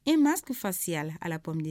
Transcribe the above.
E mas fasi a alapmed